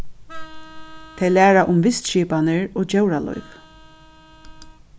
tey læra um vistskipanir og djóralív